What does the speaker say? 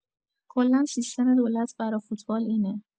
کلا سیستم دولت برا فوتبال اینه